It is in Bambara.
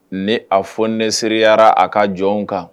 Ne a fo nesiyara a ka jɔn kan